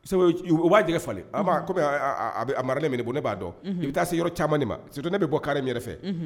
Sabu u b'a jɛ falen an kɔmi mara ne minɛ ne b'a dɔn i bɛ taa se yɔrɔ camanmani ma sdi ne bɛ bɔ kari yɛrɛ fɛ